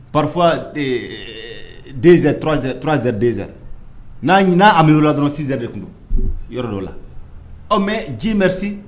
Parfois 2 heures- 3 heures . Na amélioré la dɔrɔn 6 heures de tun don yɔrɔ dɔw la .Ɔn mais Dieu merci